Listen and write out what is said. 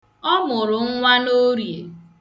Ọ mụrụ nwa n'Orie.